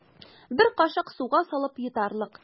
Бер кашык суга салып йотарлык.